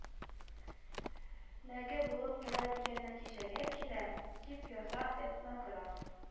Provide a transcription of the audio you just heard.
Нәге булып тора дигән нәтиҗәгә килә» дип яза этнограф